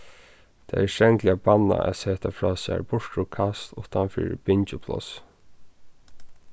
tað er strangliga bannað at seta frá sær burturkast uttan fyri bingjuplássið